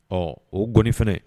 Ɔ o gɔni fana